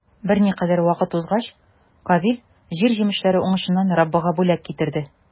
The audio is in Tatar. Берникадәр вакыт узгач, Кабил җир җимешләре уңышыннан Раббыга бүләк китерде.